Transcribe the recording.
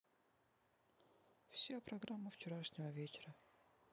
все программы вчерашнего дня